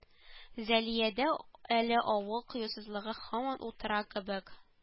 Зәлиядә әле авыл кыюсызлыгы һаман утыра кебек